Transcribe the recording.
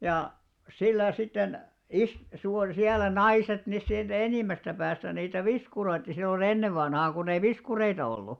ja sillä sitten -- siellä naiset ne sieltä enimmästä päästä niitä viskuroitsi silloin ennen vanhaan kun ei viskureita ollut